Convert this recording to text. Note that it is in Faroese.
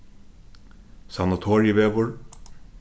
sanatoriivegur